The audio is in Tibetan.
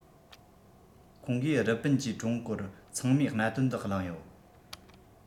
ཁོང གིས རི པིན གྱིས ཀྲུང གོར ཚང མས གནད དོན འདི གླེང ཡོད